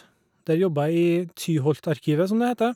Der jobber jeg i Tyholtarkivet, som det heter.